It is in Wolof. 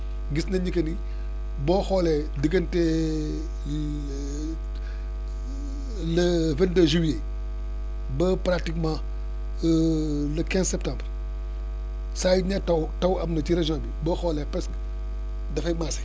gis nañ ni que ni boo xoolee diggante le vingt deux juillet ba pratiquement le quinze septembre saa yuñ nee taw taw am na ci région bi boo xoolee presque dafay maase